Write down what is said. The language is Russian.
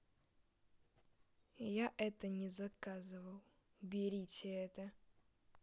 я это не заказывал уберите это